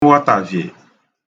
nghọtaviè